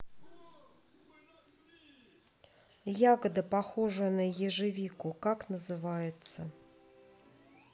ягода похожая на ежевику как называется